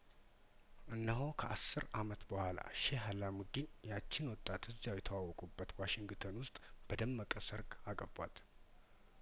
እነሆ ከአስር አመት በኋላ ሼህ አላሙዲን ያቺን ወጣት እዚያው የተዋወቁ በት ዋሽንግተን ውስጥ በደመቀ ሰርግ አገቧት